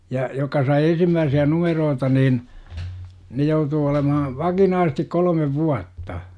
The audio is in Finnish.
ja jotka sai ensimmäisiä numeroita niin ne joutuu olemaan vakinaisesti kolme vuotta